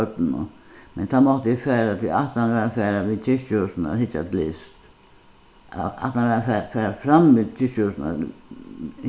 børnunum men tá mátti eg fara tí ætlanin var at fara við kirkjuhúsinum at hyggja at list ætlanin var at fara fara fram við kirkjuhúsinum at